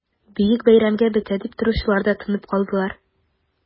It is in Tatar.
Бөек бәйрәмгә бетә дип торучылар да тынып калдылар...